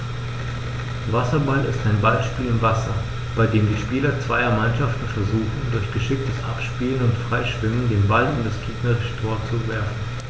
Wasserball ist ein Ballspiel im Wasser, bei dem die Spieler zweier Mannschaften versuchen, durch geschicktes Abspielen und Freischwimmen den Ball in das gegnerische Tor zu werfen.